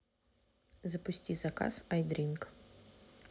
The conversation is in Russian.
запусти заказ ай дринк